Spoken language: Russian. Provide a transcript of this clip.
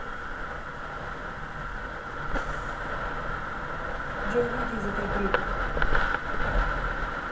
джой выйди из этой игры